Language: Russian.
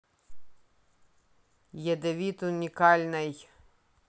ядовит уникальной